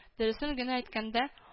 Дөресен генә әйткәндә